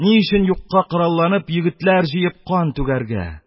Ни өчен юкка коралланып, егетләр җыеп, кан түгәргә?!..